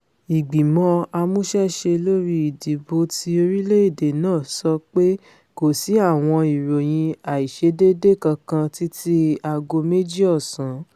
Ìgbìmọ̀ amúṣẹ́ṣe lóri ìdìbò ti orílẹ̀-èdè náà sọ pé kòsí àwọn ìròyìn àìṣedéédéé kankan títí aago méjì ọ̀sán.